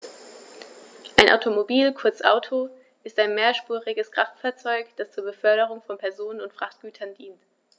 Ein Automobil, kurz Auto, ist ein mehrspuriges Kraftfahrzeug, das zur Beförderung von Personen und Frachtgütern dient.